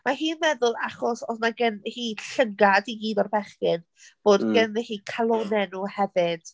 Mae hi'n meddwl achos oedd mae gen hi llygad i gyd o'r bechgyn, fod ganddi hi calonnau nhw hefyd...